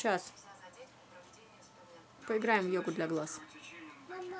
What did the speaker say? поиграем в йогу для глаз